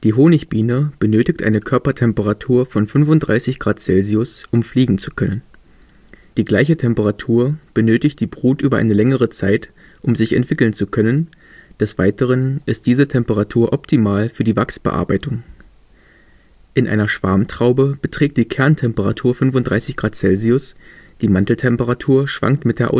Honigbiene benötigt eine Körpertemperatur von 35 °C, um fliegen zu können. Die gleiche Temperatur benötigt die Brut über eine längere Zeit, um sich entwickeln zu können, des Weiteren ist diese Temperatur optimal für die Wachsbearbeitung. Kenntemperaturen der Honigbiene In einer Schwarmtraube beträgt die Kerntemperatur 35 °C, die Manteltemperatur schwankt mit der